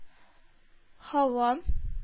Һава